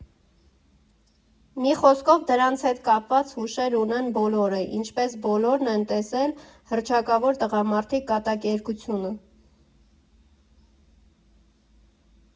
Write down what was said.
Մի խոսքով, դրանց հետ կապված հուշեր ունեն բոլորը (ինչպես բոլորն են տեսել հռչակավոր «Տղամարդիկ» կատակերգությունը)։